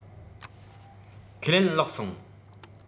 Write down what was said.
ཁས ལེན ལོག སོང